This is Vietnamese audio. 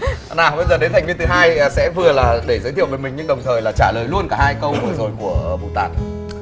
nào bây giờ đến thành viên thứ hai sẽ vừa là để giới thiệu về mình nhưng đồng thời là trả lời luôn cả hai câu vừa rồi của mù tạt